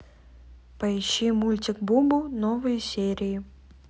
поищи мультик бубу новые серии